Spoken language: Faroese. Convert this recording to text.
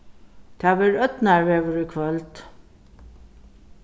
tað verður ódnarveður í kvøld